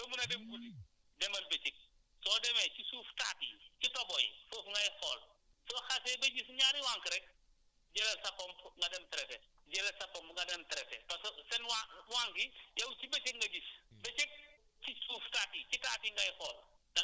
comme bëccëg ngay dem tool bi mun na sori doo mun a dem guddi demal bëccëg soo demee ci suuf taat yi si togo yi foofu ngay xool soo xasee ba gis ñaari wànq rek jëlal sa pompe nga dem traiter jëlal sa pompe nga dem traiter parce que seen wàn wànq yi yow si bëccëg nga gis